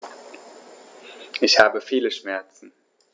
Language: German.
Ich habe viele Schmerzen.